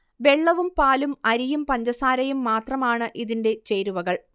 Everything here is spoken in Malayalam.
വെള്ളവും പാലും അരിയുംപഞ്ചസാരയും മാത്രമാണ് ഇതിന്റെ ചേരുവകൾ